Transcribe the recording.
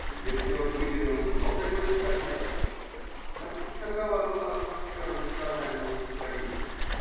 И если он выделил много революционеров – значит, такова была атмосфера национального настроения.